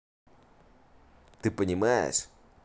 ты понимаешь